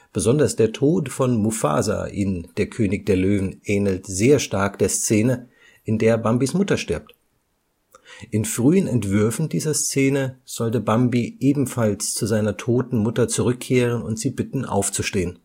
Besonders der Tod von Mufasa in Der König der Löwen ähnelt sehr stark der Szene, in der Bambis Mutter stirbt. In frühen Entwürfen dieser Szene sollte Bambi ebenfalls zu seiner toten Mutter zurückkehren und sie bitten, aufzustehen